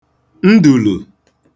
ndùlù